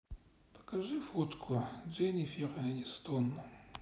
покажи фотку дженифер энистон